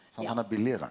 sant han er billigare.